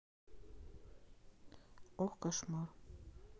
ох кошмар